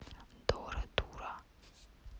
дора дура